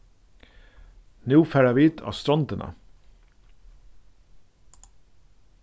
nú fara vit á strondina